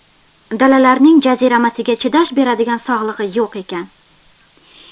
dalalarning jaziramasiga chidash beradigan sog'lig'i yo'q ekan